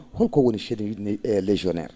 holko woni chenille e légionnaire